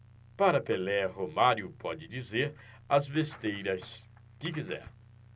para pelé romário pode dizer as besteiras que quiser